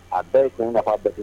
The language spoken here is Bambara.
A bɛɛ ye kun ka' bɛɛ